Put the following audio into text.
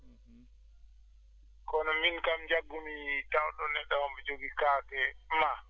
kono min kam jaggumi tawdo neɗɗo omo jogii kaake ma